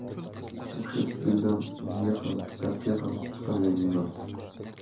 o'sha stildan o'ngga ham chapga ham chiqilgan emas